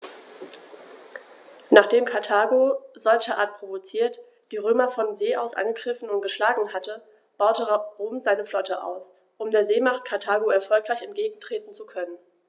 Nachdem Karthago, solcherart provoziert, die Römer von See aus angegriffen und geschlagen hatte, baute Rom seine Flotte aus, um der Seemacht Karthago erfolgreich entgegentreten zu können.